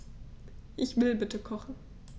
Ich will bitte kochen.